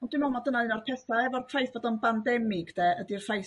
Dwi'n me'l na dyna un a'r petha' efo'r ffaith fod o'n bandemig de ydi'r ffaith